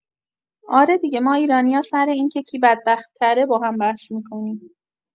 آره دیگه ما ایرانیا سر اینکه کی بدبخت تره با هم بحث می‌کنیم